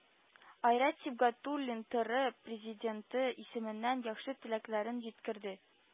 Айрат Сибагәтуллин ТР Президенты исеменнән яхшы теләкләрен җиткерде